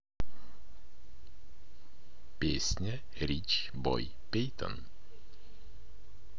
песня rich boy пейтон